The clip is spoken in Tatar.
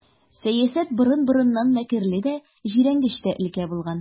Сәясәт борын-борыннан мәкерле дә, җирәнгеч тә өлкә булган.